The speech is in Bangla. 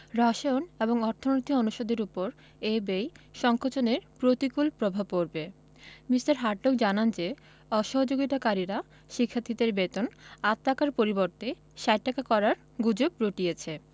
রসায়ন এবং অর্থনীতি অনুষদের ওপর এ ব্যয় সংকোচনের প্রতিকূল প্রভাব পড়বে মি. হার্টগ জানান যে অসহযোগিতাকারীরা শিক্ষার্থীদের বেতন ৮ টাকার পরিবর্তে ৬০ টাকা করার গুজব রটিয়েছে